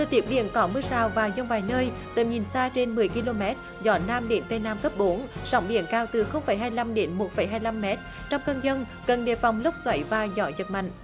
tiết biển có mưa rào và dông vài nơi tầm nhìn xa trên mười ki lô mét gió nam đến tây nam cấp bốn sóng biển cao từ không phẩy hai lăm đến một phẩy năm mét trong cơn dông cần đề phòng lốc xoáy và gió giật mạnh